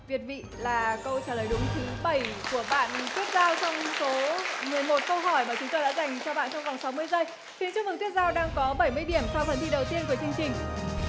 việt vị là câu trả lời đúng thứ bảy của bạn tuyết giao trong số mười một câu hỏi mà chúng tôi đã dành cho bạn trong vòng sáu mươi giây xin chúc mừng tuyết giao đang có bảy mươi điểm cho phần thi đầu tiên của chương trình